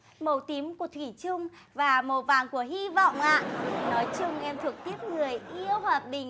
mầu tím của thủy chung và mầu vàng của hi vọng ạ nói chung em thuộc tuýp người yêu hòa bình